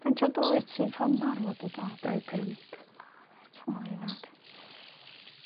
Faint o' d'oed ti phan farwodd dy dad? Dau 'eg pump. O reit, o ifanc.